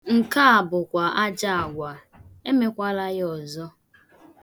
Nke a bụkwa ajọ agwa! Emekwala ya ọzọ.